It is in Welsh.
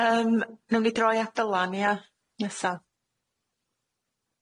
Yym newn ni droi at Dylan ia? Nesa.